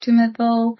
dwi'n meddwl